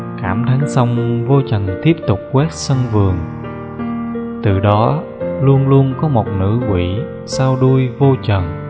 cảm thán xong vô trần tiếp tục quét sân vườn từ đó luôn luôn có một nữ quỷ sau đuôi vô trần